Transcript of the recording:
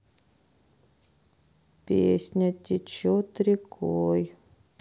песня течет рекой